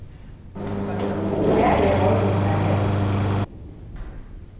hvar er morgunblaðið